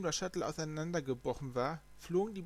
Shuttle auseinander gebrochen war, flogen